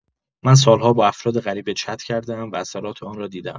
من سال‌ها با افراد غریبه چت کرده‌ام و اثرات آن را دیده‌ام.